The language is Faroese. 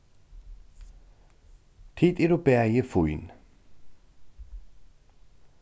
tit eru bæði fín